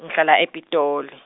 ngihlala ePitoli.